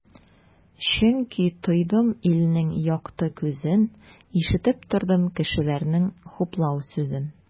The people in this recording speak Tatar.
Чөнки тойдым илнең якты күзен, ишетеп тордым кешеләрнең хуплау сүзен.